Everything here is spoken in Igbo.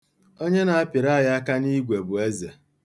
Onye na-apịrị anyị aka n'igwe bụ Eze.